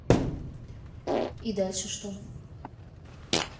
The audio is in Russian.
и дальше что